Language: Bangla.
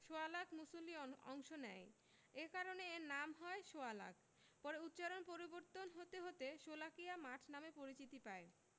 সোয়া লাখ মুসল্লি অন অংশ নেয় এ কারণে এর নাম হয় সোয়া লাখ পরে উচ্চারণ পরিবর্তন হতে হতে শোলাকিয়া মাঠ নামে পরিচিতি পায়